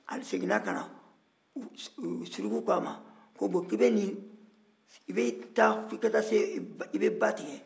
a seginna ka na surugu ko a ma i bɛ taa i bɛ ba tigɛ